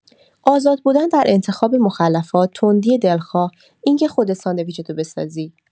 آزاد بودن در انتخاب مخلفات، تندی دلخواه، این که خودت ساندویچتو بسازی.